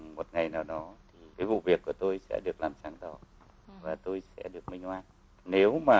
một ngày nào đó cái vụ việc của tôi sẽ được làm sáng tỏ và tôi sẽ được minh oan nếu mà